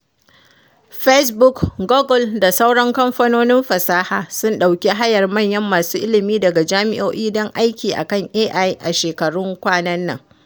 Facebook, Google da sauran kamfanonin fasaha sun ɗauki hayar manyan masu ilmi daga jami’o’i don aiki a kan AI a shekarun kwana nan.